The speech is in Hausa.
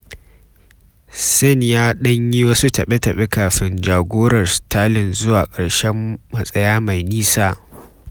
Sane ya ɗan yi wasu taɓe-taɓe kafin jagorar Sterling zuwa ƙarshen matsaya mai nisa.